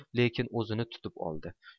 lekin o'zini tutib oldi